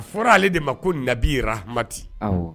A fɔra ale de ma ko nabiramati